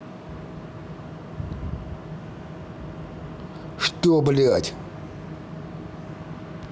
что блять